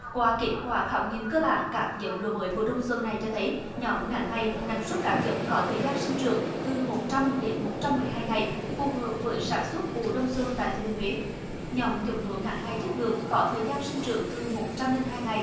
qua kết quả khảo nghiệm cơ bản các giống lúa mới vụ đông xuân này cho thấy nhóm ngắn ngày năng suất các giống có thời gian sinh trưởng từ một trăm đến một trăm mười hai ngày phù hợp với sản xuất vụ đông xuân tại thừa thiên huế nhóm giống lúa ngắn ngày chất lượng có thời gian sinh trưởng từ một trăm linh hai ngày